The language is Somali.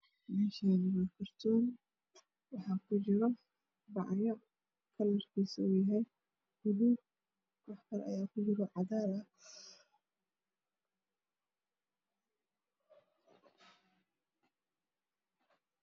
Meshani waa karton waxa kujiro baco kslarkisa oow yahay baluug waxkale ayakujiro oo cadan ah